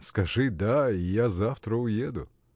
— Скажи — да, и я завтра уеду.